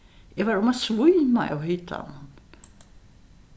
eg var um at svíma av hitanum